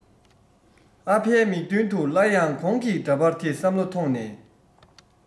ཨ ཁུས ཨ ཕར སྟོན